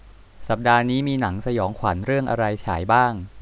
สัปดาห์นี้มีหนังสยองขวัญเรื่องอะไรฉายบ้าง